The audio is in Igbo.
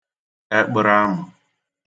ẹkpə̣rə̣amə̀